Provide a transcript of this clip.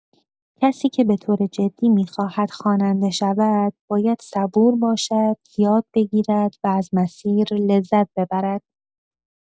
کسی که به‌طور جدی می‌خواهد خواننده شود، باید صبور باشد، یاد بگیرد و از مسیر لذت ببرد.